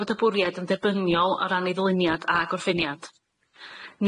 fod y bwriad yn dderbyniol o ran ei ddyluniad a gorffeniad.